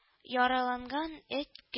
Яраланган эт